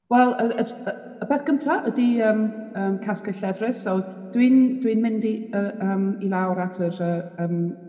Wel y y y y peth gynta ydy yym yym casglu llefrith, so dwi'n dwi'n mynd i yy yym i lawr at yr yy yym...